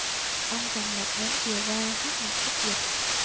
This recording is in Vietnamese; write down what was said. ông cầm một nhánh chìa ra hất mặt thúc giục